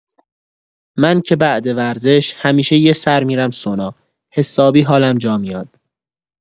من که بعد ورزش همیشه یه سر می‌رم سونا، حسابی حالم جا میاد.